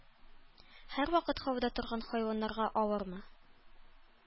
Һәрвакыт һавада торган хайваннарга авырмы?